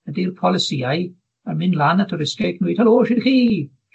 Ydi'r polisïau yn mynd lan at y risgiau ac yn mynd, helo, shwt 'ych chi?